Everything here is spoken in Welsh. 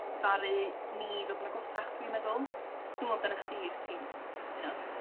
ddaru ni fod yn agosach dwi'n meddwl. Dwmbo amdanach chdi os ti'n sort of cytuno.